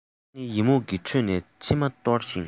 ད ནི ཡི མུག གི ཁྲོད ནས མཆི མ གཏོར ཞིང